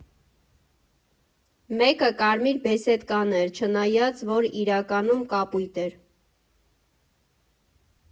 Մեկը կարմիր բեսեդկան էր, չնայած որ իրականում կապույտ էր։